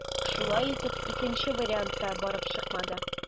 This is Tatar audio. Шулай итеп, икенче вариант та барып чыкмады.